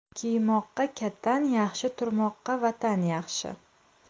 kiymoqqa katan yaxshi turmoqqa vatan yaxshi